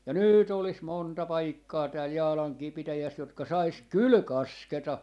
ja nyt olisi monta paikkaa täällä Jaalankin pitäjässä jotka saisi kyllä kasketa